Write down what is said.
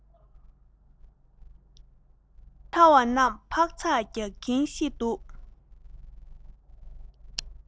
འབུ ཕྲ བ རྣམས འཕག འཚག རྒྱག གིན ཤི འདུག